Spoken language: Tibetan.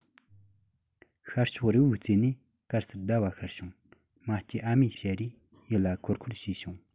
ཤར ཕྱོགས རི བོའི རྩེ ནས དཀར གསལ ཟླ བ ཤར བྱུང མ སྐྱེས ཨ མའི ཞལ རས ཡིད ལ འཁོར འཁོར བྱས བྱུང